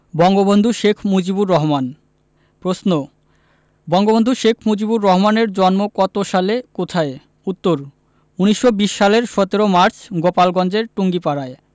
বঙ্গবন্ধু শেখ মুজিবুর রহমান প্রশ্ন বঙ্গবন্ধু শেখ মুজিবুর রহমানের জন্ম কত সালে কোথায় উত্তর ১৯২০ সালের ১৭ মার্চ গোপালগঞ্জের টুঙ্গিপাড়ায়